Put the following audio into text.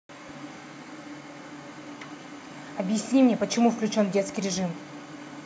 объясни мне почему включен детский режим